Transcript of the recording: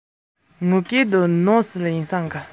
ཚུལ འདི མཐོང བ ན ང རང